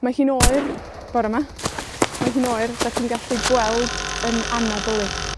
Mae hi'n oer bore 'ma. Mae hi'n oer, 'dach chi'n gallu gweld 'yn anadl i.